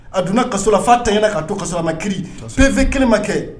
A donna kasola la fa tayɛna k'a to ka ma kiiri so in fɛn kelen ma kɛ